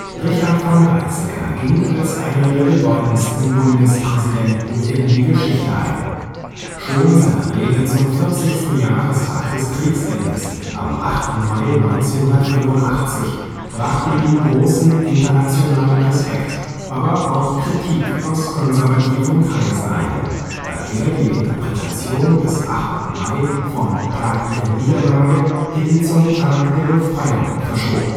Richard von Weizsäcker ging als einer der bedeutendsten Bundespräsidenten in die Geschichte ein. Schon seine Rede zum 40. Jahrestag des Kriegsendes am 8. Mai 1985 brachte ihm großen internationalen Respekt, aber auch Kritik aus konservativen Kreisen ein, da er die Interpretation des 8. Mai vom „ Tag der Niederlage “hin zum „ Tag der Befreiung “verschob